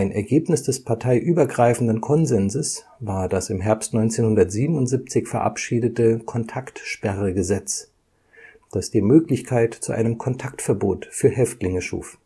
Ergebnis des parteiübergreifenden Konsenses war das im Herbst 1977 verabschiedete Kontaktsperregesetz, das die Möglichkeit zu einem Kontaktverbot für Häftlinge schuf